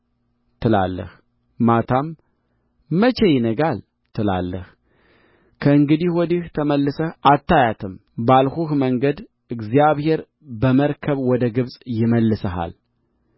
ትላለህ ማታም መቼ ይነጋል ትላለህ ከእንግዲህ ወዲህ ተመልሰህ አታያትም ባልሁህ መንገድም እግዚአብሔር በመርከብ ወደ ግብፅ ይመልስሃል